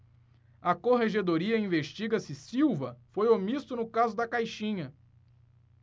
a corregedoria investiga se silva foi omisso no caso da caixinha